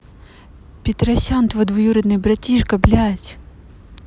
петросян твой двоюродный братишка блядь